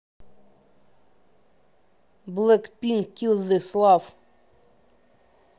blackpink kill this love